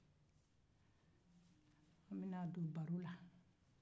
an bɛna don baro la